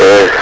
i